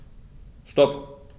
Stop.